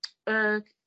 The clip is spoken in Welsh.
yy